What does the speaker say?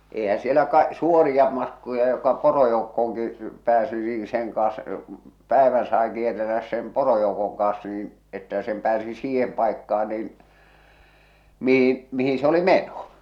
eihän siellä - suoria matkoja joka porojoukkoonkin pääsi niin sen kanssa päivän sai kierrellä sen porojoukon kanssa niin että sen pääsi siihen paikkaan niin mihin mihin se oli meno